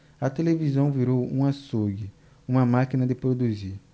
a televisão virou um açougue uma máquina de produzir